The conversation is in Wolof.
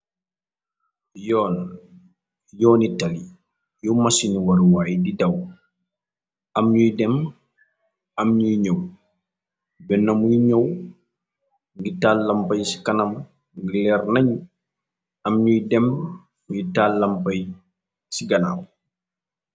yoon itali yu masini waruwaay di daw am ñuy dem am ñuy ñëw bennamuy ñow ngi tal lampay ci kanam ngileer nañ am ñuy dem muy tàllampay ci ganaaw